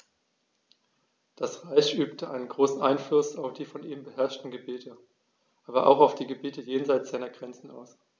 Das Reich übte einen großen Einfluss auf die von ihm beherrschten Gebiete, aber auch auf die Gebiete jenseits seiner Grenzen aus.